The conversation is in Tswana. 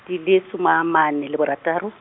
di le soma amane le borataro.